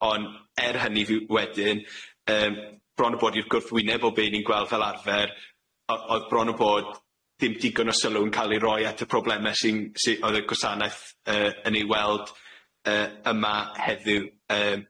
On er hynny fyw- wedyn yym bron a bod i'r gwrthwyneb o be ni'n gweld fel arfer o- o'dd bron a bod ddim digon o sylw yn ca'l 'i roi at y probleme sy'n sy o'dd y gwasanaeth yy yn ei weld yy yma heddiw yy